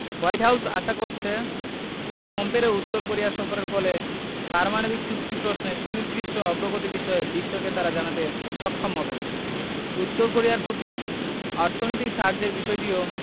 white House আশা করছে পম্পেওর উত্তর কোরিয়া সফরের ফলে পারমাণবিক চুক্তি প্রশ্নে সুনির্দিষ্ট অগ্রগতি বিষয়ে বিশ্বকে তারা জানাতে সক্ষম হবে উত্তর কোরিয়ার প্রতি অর্থনৈতিক সাহায্যের বিষয়টিও